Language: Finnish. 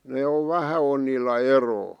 ne on vähän on niillä eroa